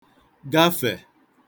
gafè